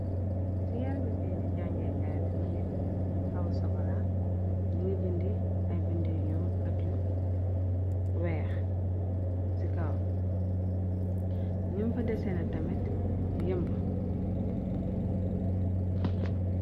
ci yaarmi kayiti jàngeekaar bi mëngi xawa sokora ni ngi bindi ay bindiñu ak yu weex ci kaw ñum fa deseena tamet yemb